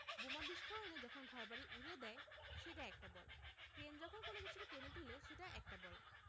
বোমা বিস্ফোরণে যখন ঘরবাড়ি উড়িয়ে দেয় সেটা একটা বল ক্রেন যখন কোনো কিছুকে টেনে তুলে সেটা একটা বল